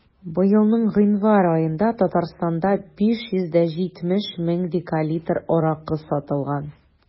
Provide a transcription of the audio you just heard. Быелның гыйнвар аенда Татарстанда 570 мең декалитр аракы сатылган.